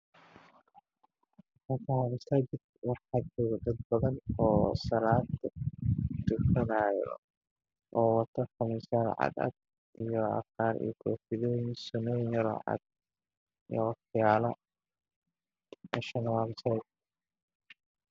Halkaan waxaa ka muuqdo niman salaad tukanaayo oo masaajid ku jiro waxaana ugu horeeyo labo nin labadooda waxay qabaan qamiis cadaan ah mid waxa uu qabaa koofiyad cagaar midna waxa uu qabaa ookiyaalo madaw ah